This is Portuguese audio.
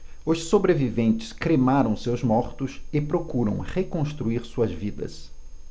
os sobreviventes cremaram seus mortos e procuram reconstruir suas vidas